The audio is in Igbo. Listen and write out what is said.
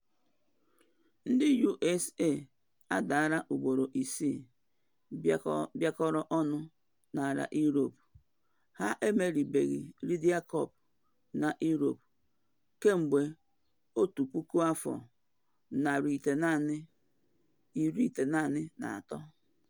Ndị US adaala ugboro isiii bịakọrọ ọnụ n’ala Europe, ha emeribeghị Ryder Cup na Europe kemgbe 1993.